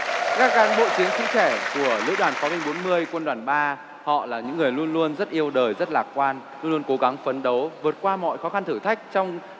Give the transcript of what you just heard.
các cán bộ chiến sĩ trẻ của lữ đoàn pháo binh bốn mươi quân đoàn ba họ là những người luôn luôn rất yêu đời rất lạc quan luôn cố gắng phấn đấu vượt qua mọi khó khăn thử thách trong